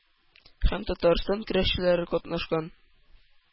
Һәм татарстан көрәшчеләре катнашкан.